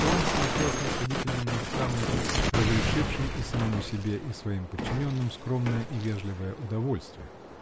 он смотрел снисходительным наставником, разрешившим и самому себе и своим подчиненным скромное и вежливое удовольствие.